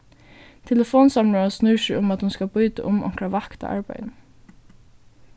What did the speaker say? telefonsamrøðan snýr seg um at hon skal býta um onkra vakt á arbeiðinum